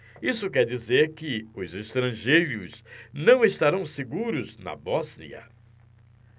isso quer dizer que os estrangeiros não estarão seguros na bósnia